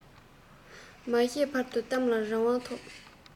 མ བཤད བར དུ གཏམ ལ རང དབང ཐོབ